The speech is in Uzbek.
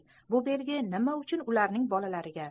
bu belgi nima uchun ularning bolalariga